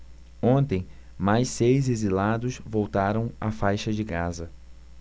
ontem mais seis exilados voltaram à faixa de gaza